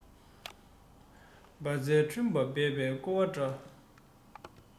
བ ཚྭའི ཁྲོན པ འབད པས རྐོ བ འདྲ